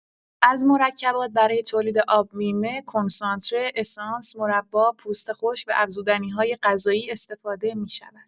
از مرکبات برای تولید آبمیوه، کنسانتره، اسانس، مربا، پوست خشک و افزودنی‌های غذایی استفاده می‌شود.